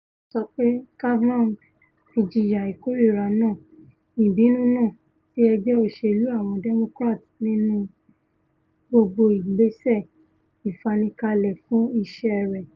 Trump sọ pé Kavanaugh ti ''jìya ìkórìíra náà, ìbínú náà'' ti Ẹgbẹ́ Òṣèlú Àwọn Democrat nínú gbogbo ìgbésẹ̀ ìfanikalẹ̀ fún iṣẹ́ rẹ̀.